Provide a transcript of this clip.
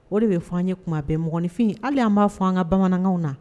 O de bɛ fɔ an ye tuma bɛn mɔgɔninfin hali y an b'a fɔ an ka bamanankan na